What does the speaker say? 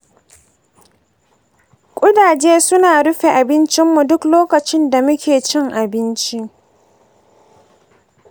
ƙudaje suna rufe abincinmu duk lokacin da muke cin abinci.